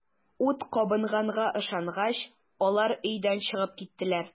Ут кабынганга ышангач, алар өйдән чыгып киттеләр.